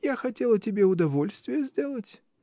— Я хотела тебе удовольствие сделать.